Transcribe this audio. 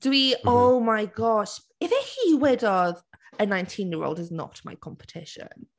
Dwi... oh, my gosh, ife hi wedodd "a nineteen year old is not my competition"?